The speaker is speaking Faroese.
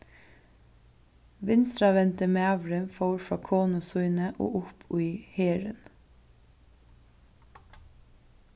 vinstravendi maðurin fór frá konu síni og upp í herin